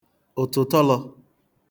ụ̀tụ̀tọlọ̄